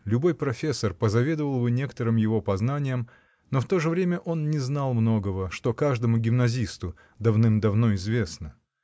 любой профессор позавидовал бы некоторым его познаниям, но в то же время он не знал многого, что каждому гимназисту давным-давно известно.